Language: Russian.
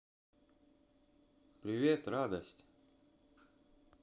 привет радость